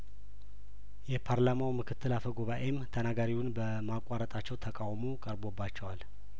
የፓርላማው ምክትል አፈጉባኤም ተናጋሪውን በማቋረጣቸው ተቃውሞ ቀርቦባቸዋል